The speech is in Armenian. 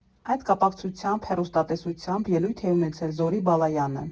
Այդ կապակցությամբ հեռուստատեսությամբ ելույթ է ունեցել Զորի Բալայանը։